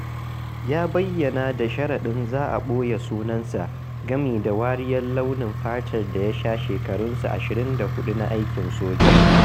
Ya bayyana da sharaɗin za a ɓoye sunansa gami da wariyar launin fatar da ya sha a shekarunsa 24 na aikin soja: